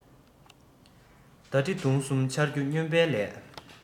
མདའ གྲི མདུང གསུམ འཕྱར རྒྱུ སྨྱོན པའི ལས